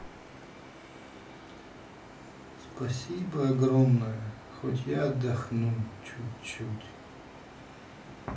спасибо огромное хоть я отдохну чуть чуть